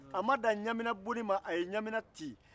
a ma dan ɲamina bonni ma a ye ɲamina ti